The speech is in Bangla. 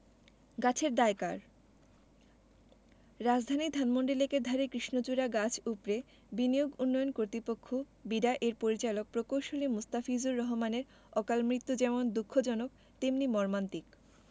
গাছের দায় কার রাজধানীর ধানমন্ডি লেকের ধারে কৃষ্ণচূড়া গাছ উপড়ে বিনিয়োগ উন্নয়ন কর্তৃপক্ষ বিডা এর পরিচালক প্রকৌশলী মোস্তাফিজুর রহমানের অকালমৃত্যু যেমন দুঃখজনক তেমনি মর্মান্তিক